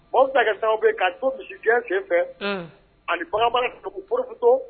Maaw sɛgɛtan bɛ ka to misi gɛn sen fɛ ani baganbara duguoroto